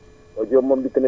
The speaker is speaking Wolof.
Diop waaw